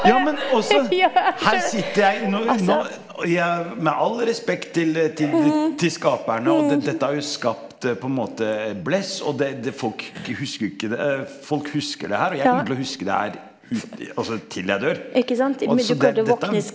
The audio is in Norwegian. jammen også her sitter jeg nå nå og jeg, med all respekt til til til skaperne, og dette har jo skapt på en måte blest og det det folk ikke husker jo ikke det folk husker det her og jeg kommer til å huske det her ut altså til jeg dør også det dette.